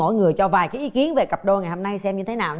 mỗi người cho vài cái ý kiến về cặp đôi ngày hôm nay xem như thế nào nha